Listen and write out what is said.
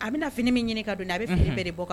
A bɛ na fini min ɲini ka don a bɛ fini bɛɛ de bɔ kan